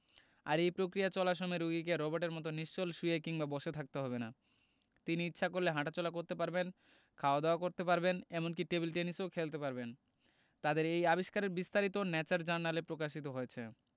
আর এই প্রক্রিয়া চলার সময় রোগীকে রোবটের মতো নিশ্চল শুয়ে কিংবা বসে থাকতে হবে না তিনি ইচ্ছা করলে হাটাচলা করতে পারবেন খাওয়া দাওয়া করতে পারবেন এমনকি টেবিল টেনিসও খেলতে পারবেন তাদের এই আবিষ্কারের বিস্তারিত ন্যাচার জার্নালে প্রকাশিত হয়েছে